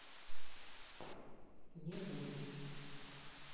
не будешь